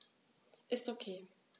Ist OK.